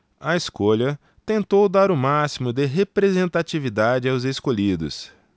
a escolha tentou dar o máximo de representatividade aos escolhidos